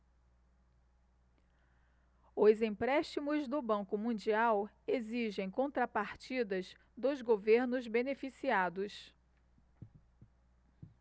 os empréstimos do banco mundial exigem contrapartidas dos governos beneficiados